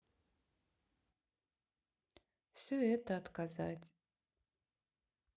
все это отказать